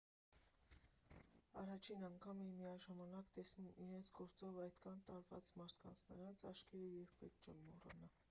Առաջին անգամ էի միաժամանակ տեսնում իրենց գործով այդքան տարված մարդկանց, նրանց աչքերը երբեք չեմ մոռանա։